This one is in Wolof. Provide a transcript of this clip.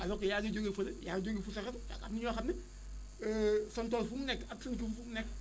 alors que yaa ngi jóge fële yaa ngi sore am na ñoo xam ne seen tool fi mu nekk ak seen kër fu mu nekk